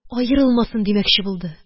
«аерылмасын!» димәкче булды.